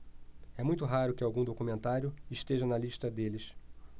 é muito raro que algum documentário esteja na lista deles